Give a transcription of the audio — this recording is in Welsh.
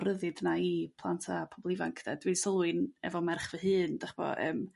ryddid 'na i plant a pobol ifanc 'de. Dwi sylwi'n efo merch fy hun 'dach ch'bo' yrm.